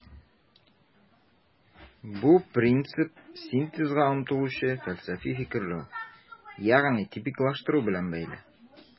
Бу принцип синтезга омтылучы фәлсәфи фикерләү, ягъни типиклаштыру белән бәйле.